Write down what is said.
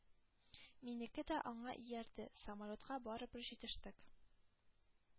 Минеке дә аңа иярде. Самолетка барыбер җитештек.